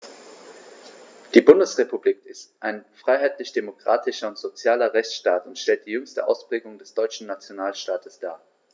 Die Bundesrepublik ist ein freiheitlich-demokratischer und sozialer Rechtsstaat und stellt die jüngste Ausprägung des deutschen Nationalstaates dar.